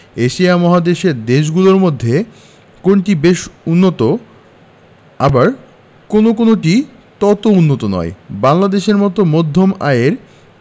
Asia মহাদেশের দেশগুলোর মধ্যে কোনটি বেশ উন্নত আবার কোনো কোনোটি তত উন্নত নয় বাংলাদেশের মতো মধ্যম আয়ের